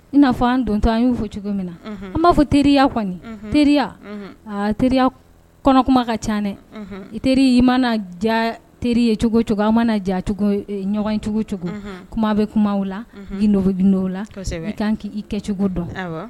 I n'a fɔ an don to an y'u fɔ cogo min na an b'a fɔ teriya kɔni teriya teriya kɔnɔkuma ka caɛ i teri i mana ja teri ye cogo cogo an mana ja ɲɔgɔncogo cogo kuma bɛ kuma la' la k'an k' i kɛcogo dɔn